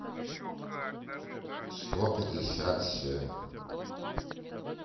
сто пятьдесят семь